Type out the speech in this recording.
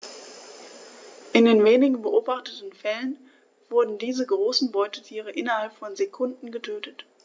In den wenigen beobachteten Fällen wurden diese großen Beutetiere innerhalb von Sekunden getötet.